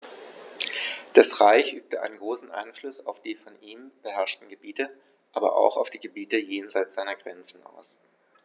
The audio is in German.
Das Reich übte einen großen Einfluss auf die von ihm beherrschten Gebiete, aber auch auf die Gebiete jenseits seiner Grenzen aus.